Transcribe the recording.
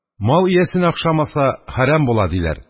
«мал иясенә охшамаса хәрәм була» диләр.